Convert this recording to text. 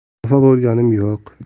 xafa bo'lganim yo'q